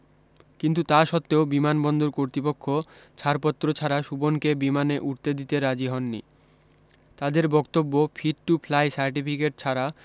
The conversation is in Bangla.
কিন্তু তা সত্ত্বেও বিমান বন্দর কর্তৃপক্ষ ছাড়পত্র ছাড়া সুপনকে বিমানে উঠতে দিতে রাজি হননি তাদের বক্তব্য ফিট টু ফ্লাই সার্টিফিকেট ছাড়া